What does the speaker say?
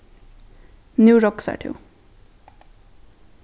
nú roksar tú